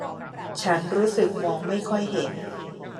ฉันรู้สึกมองไม่ค่อยเห็น